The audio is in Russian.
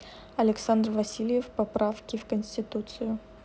александр васильев поправки в конституцию